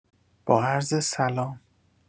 با عرض سلام.